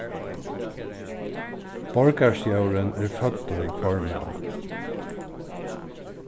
borgarstjórin er føddur formaður